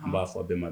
N b'a fɔ a bɛɛ ma